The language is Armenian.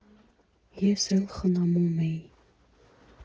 Ես էլ խնամում էի։